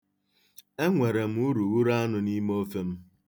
Enwere m urughuru anụ n'ime ofe m.